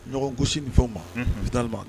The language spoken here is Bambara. Ɲɔgɔn gosi ni fɛnw ma . Unhun